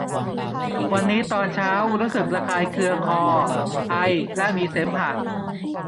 วันนี้ตอนเช้ารู้สึกระคายเคืองคอไอและมีเสมหะ